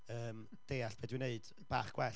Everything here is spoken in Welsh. yym, deall be dwi'n wneud bach gwell,